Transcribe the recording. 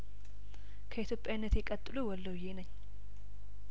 ከኢትዮጵያዊነቴ ቀጥሎ ወሎዬ ነኝ